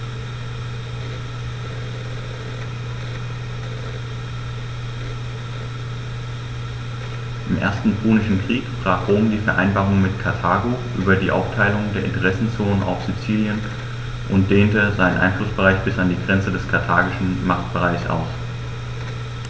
Im Ersten Punischen Krieg brach Rom die Vereinbarung mit Karthago über die Aufteilung der Interessenzonen auf Sizilien und dehnte seinen Einflussbereich bis an die Grenze des karthagischen Machtbereichs aus.